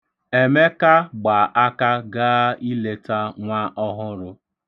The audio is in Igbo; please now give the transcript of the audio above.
Emeka gba aka gaa ileta nwa ọhụrụ.